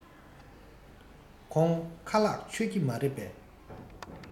ཁོང ཁ ལག མཆོད ཀྱི མ རེད པས